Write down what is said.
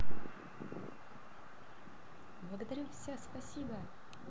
благодарю все спасибо